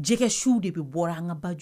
Jɛgɛsiw de bɛ bɔ an ka baj